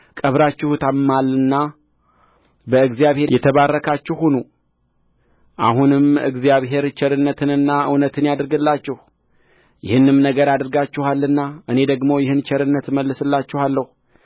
ቀብራችሁትማልና በእግዚአብሔር የተባረካችሁ ሁኑ አሁንም እግዚአብሔር ቸርነትንና እውነትን ያድርግላችሁ ይህንም ነገር አድርጋችኋልና እኔ ደግሞ ይህን ቸርነት እመልስላችኋለሁ